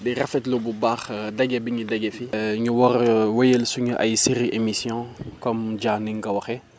di rafetlu bu baax daje bi ñu daje fii énu war a wëyal suñu ay series émission comme Dia ni nga ko waxee